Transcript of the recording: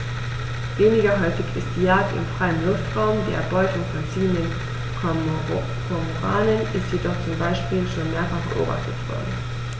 Weniger häufig ist die Jagd im freien Luftraum; die Erbeutung von ziehenden Kormoranen ist jedoch zum Beispiel schon mehrfach beobachtet worden.